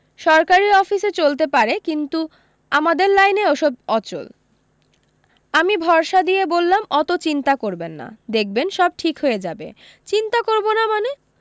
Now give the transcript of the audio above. সরকারী আফিসে চলতে পারে কিন্তু আমাদের লাইনে ওসব অচল আমি ভরসা দিয়ে বললাম অত চিন্তা করবেন না দেখবেন সব ঠিক হয়ে যাবে চিন্তা করবো না মানে